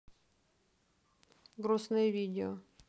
грустные видео